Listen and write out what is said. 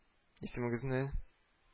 Исемегезне